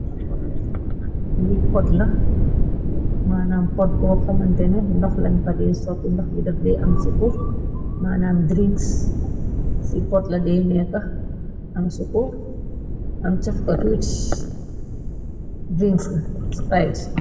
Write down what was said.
Li potla maanaam pot boo xamantene ndox lañ fadee sooti ndox bi dafdee am sukur maanaam drigs ci potla deeneekax am sukur am cefkatuc ríng syves.